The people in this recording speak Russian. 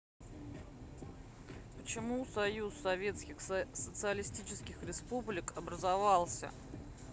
почему союз советских социалистических республик образовался